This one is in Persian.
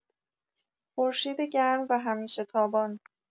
خورشید گرم و همیشه تابان